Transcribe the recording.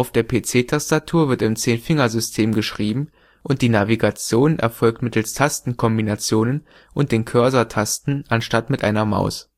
der PC-Tastatur wird im Zehnfingersystem geschrieben und die Navigation erfolgt mittels Tastenkombinationen und den Cursortasten anstatt mit einer Maus